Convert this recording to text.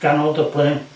ganol Dublin.